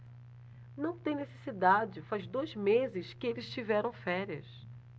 não tem necessidade faz dois meses que eles tiveram férias